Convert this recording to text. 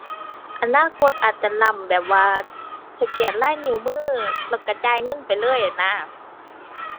อนาคตอาจจะล้ำแบบว่า สแกนลายนิ้วมือแล้วก็จ่ายเงินไปเลยหั้นนะ